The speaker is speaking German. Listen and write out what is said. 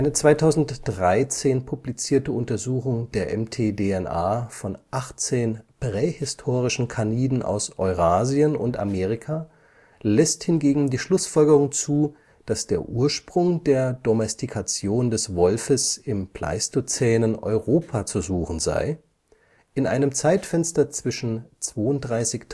2013 publizierte Untersuchung der mtDNA von 18 prähistorischen Caniden aus Eurasien und Amerika lässt hingegen die Schlussfolgerung zu, dass der Ursprung der Domestikation des Wolfes im pleistozänen Europa zu suchen sei, in einem Zeitfenster zwischen 32.000